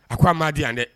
A ko a ma di yan dɛ!